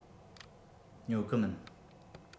ཉོ གི མིན